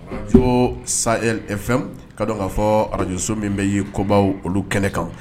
Fo sa fɛn ka dɔn k'a fɔ arajso min bɛ y'i kɔbaw olu kɛnɛ kan